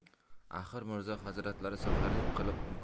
axir mirzo hazratlari saharlik qilib